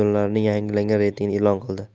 yangilangan reytingini e'lon qildi